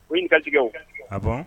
O ye kantotigɛ o a